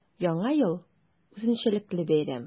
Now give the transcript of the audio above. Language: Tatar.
Яңа ел – үзенчәлекле бәйрәм.